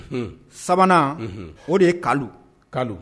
Sabanan o de ye kalo kalo